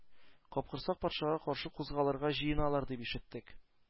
Капкорсак патшага каршы кузгалырга җыйналалар дип ишеттек,